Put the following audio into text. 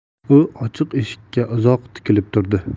u ochiq eshikka uzoq tikilib turdi